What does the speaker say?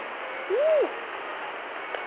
hú hây